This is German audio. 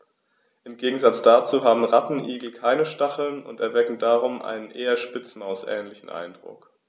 Im Gegensatz dazu haben Rattenigel keine Stacheln und erwecken darum einen eher Spitzmaus-ähnlichen Eindruck.